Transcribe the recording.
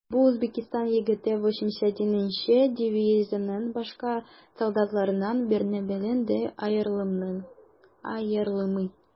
Бу Үзбәкстан егете 81 нче дивизиянең башка солдатларыннан берни белән дә аерылмый.